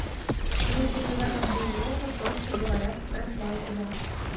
люди говорят беззлобно просто говорят прощаю тебя